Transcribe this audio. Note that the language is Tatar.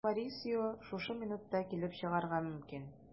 Дон Морисио шушы минутта килеп чыгарга мөмкин.